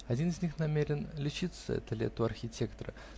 один из них намерен лечиться это лето у архитектора.